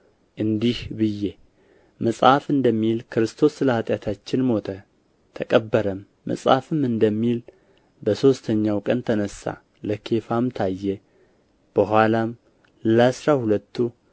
እንዲህ ብዬ መጽሐፍ እንደሚል ክርስቶስ ስለ ኃጢአታችን ሞተ ተቀበረም መጽሐፍም እንደሚል በሦስተኛው ቀን ተነሣ ለኬፋም ታየ በኋላም ለአሥራ ሁለቱ